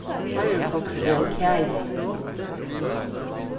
firefox er ein kagi